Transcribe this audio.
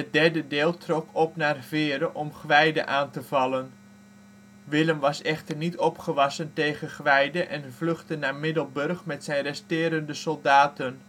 derde deel trok op naar Veere om Gwijde aan te vallen. Willem was echter niet opgewassen tegen Gwijde en vluchtte naar Middelburg met zijn resterende soldaten